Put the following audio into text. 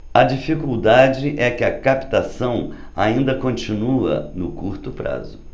a dificuldade é que a captação ainda continua no curto prazo